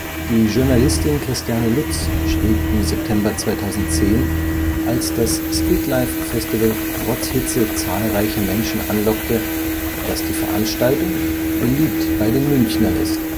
Die Journalistin Christiane Lutz schrieb im September 2010, als das Streetlife-Festival trotz Hitze zahlreiche Menschen anlockte, dass die Veranstaltung „ beliebt bei den Münchnern “ist